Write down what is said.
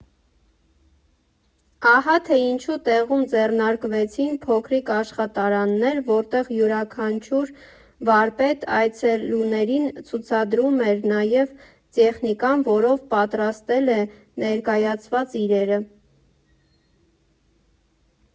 Ահա թե ինչու տեղում ձեռնարկվեցին փոքրիկ աշխատարաններ, որտեղ յուրաքանչյուր վարպետ այցելուներին ցուցադրում էր այն տեխնիկան, որով պատրաստել է ներկայացված իրերը։